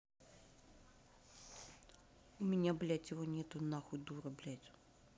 у меня блядь его нету нахуй дура блять